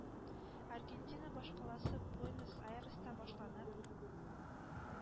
Аргентина башкаласыБуэнос-Айреста башланып,